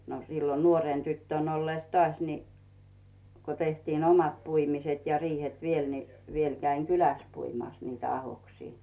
no silloin nuoren tyttönä ollessa taas niin kun tehtiin omat puimiset ja riihet vielä niin vielä kävin kylässä puimassa niitä ahdoksia